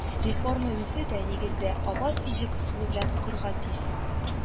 Реформа үзе дә, нигездә, аваз-иҗек ысулы белән укырга тиз